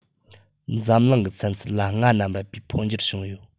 འཛམ གླིང གི ཚན རྩལ ལ སྔ ན མེད པའི འཕོ འགྱུར བྱུང ཡོད